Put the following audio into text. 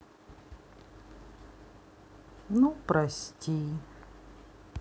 ну прости